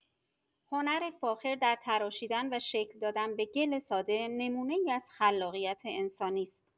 هنر فاخر در تراشیدن و شکل دادن به گل ساده، نمونه‌ای از خلاقیت انسانی است.